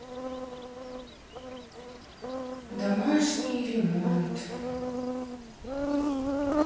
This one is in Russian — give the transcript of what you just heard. домашний ремонт